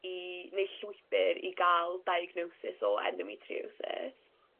i neu llwybyr i ga'l diagnosis o endometrisis?